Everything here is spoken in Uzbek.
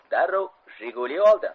darrov jiguli oldi